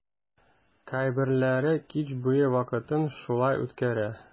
Кайберләре кич буе вакытын шулай үткәрә.